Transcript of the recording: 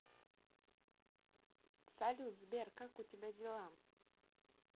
салют сбер как у тебя дела